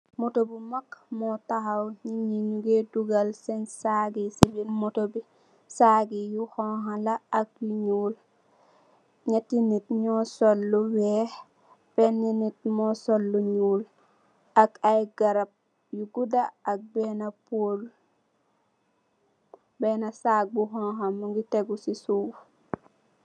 Motto bu mag moo taxaw, nit ñi ñu ngee duggal seen saac yi si biir motto bi. Saac yi, yu xoñga la ak yu ñuul. Ñatti nit ñoo sol lu weex, beenë nit moo sol lu ñuul. Ak ay garab yu gudda, beenë pool, beenë sax bu xoñxa mu ngi tegu si suuf.